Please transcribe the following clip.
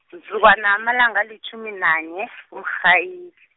mzukwana amalanga alitjhumi nanye, kuMrhayili.